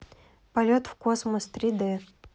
полет в космос три д